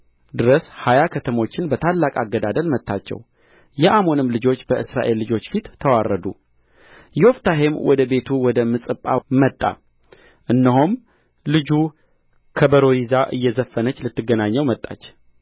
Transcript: ድረስ ሀያ ከተሞችን በታላቅ አገዳደል መታቸው የአሞንም ልጆች በእስራኤል ልጆች ፊት ተዋረዱ ዮፍታሄም ወደ ቤቱ ወደ ምጽጳ መጣ እነሆም ልጁ ከበሮ ይዛ እየዘፈነች ልትገናኘው ወጣች